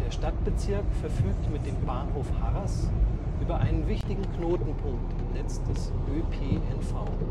Stadtbezirk verfügt mit dem Bahnhof Harras, über einen wichtigen Knotenpunkt im Netz des ÖPNV